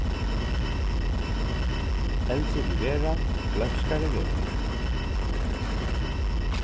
eldri vit verða gloymskari verða vit